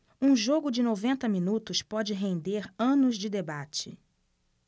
um jogo de noventa minutos pode render anos de debate